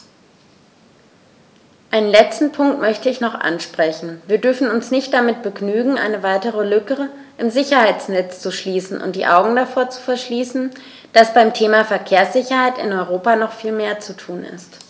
Einen letzten Punkt möchte ich noch ansprechen: Wir dürfen uns nicht damit begnügen, eine weitere Lücke im Sicherheitsnetz zu schließen und die Augen davor zu verschließen, dass beim Thema Verkehrssicherheit in Europa noch viel mehr zu tun ist.